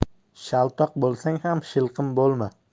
shaltoq bo'lsang ham shilqim bo'lma